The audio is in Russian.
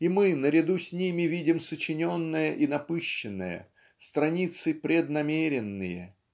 и мы наряду с ними видим сочиненное и напыщенное страницы преднамеренные.